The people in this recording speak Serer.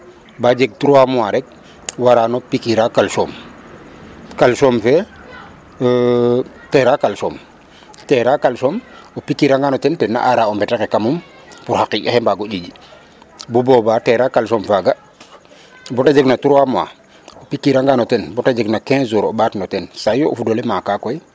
Ba jeg 3 mois rek warano piqure a calcium calcium :fraf e tera calcium terra calcium piqure angano ten, ten na aaraa o mbote nqe kamum pour xa qiƴ axe mbago ƴiiƴ bu boba terra calcium faga bo ta jegna 3 mois o piqure angaan o ten bata jegna 15 jours o ɓaat no ten sayu o fud ole maaka koy.